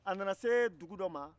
a nana se dugu dɔ ma